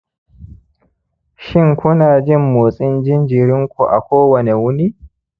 shin ku na jin motsin jinjirinku a kowane wuni